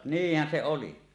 niinhän se oli